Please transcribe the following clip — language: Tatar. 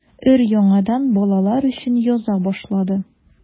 Өр-яңадан балалар өчен яза башлады.